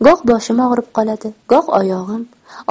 goh boshim og'rib qoladi goh oyog'im